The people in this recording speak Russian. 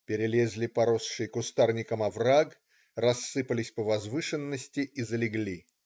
Перелезли поросший кустарником овраг, рассыпались по возвышенности и залегли.